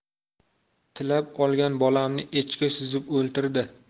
tilab olgan bolamni echki suzib o'ldirdi